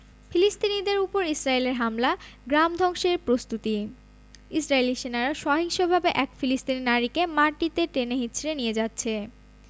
ফিলিস্তিনিদের ওপর ইসরাইলের হামলা গ্রাম ধ্বংসের প্রস্তুতি ইসরাইলী সেনারা সহিংসভাবে এক ফিলিস্তিনি নারীকে মাটিতে টেনে হেঁচড়ে নিয়ে যাচ্ছে